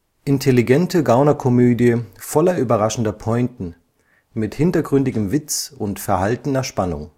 Intelligente Gaunerkomödie voller überraschender Pointen, mit hintergründigem Witz und verhaltener Spannung